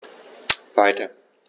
Weiter.